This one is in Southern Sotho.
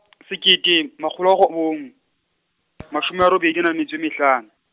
sekete, makgolo robong, mashome robedi a nang le metso e mehlano.